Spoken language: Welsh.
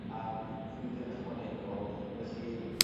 am flwyddyn ychwanegol felly